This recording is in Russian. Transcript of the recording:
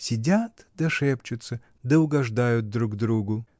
Сидят да шепчутся, да угождают друг другу.